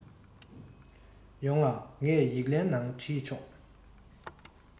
ཡོང ང ངས ཡིག ལན ནང བྲིས ཆོག